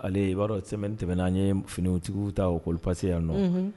Ale b'a dɔn tɛmɛn tɛmɛnɛna' ye finitigiw ta o ko pase yan nɔ